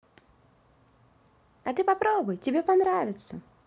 а ты попробуй тебе понравится